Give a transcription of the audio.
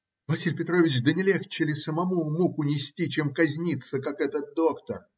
Василий Петрович, да не легче ли самому муки нести, чем казниться, как этот доктор?